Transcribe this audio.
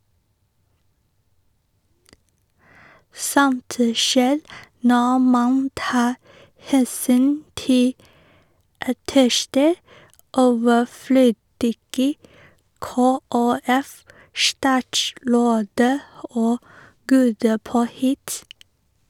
Sånt skjer når man tar hensyn til ateister, overflødige KrF-statsråder og gode påhitt.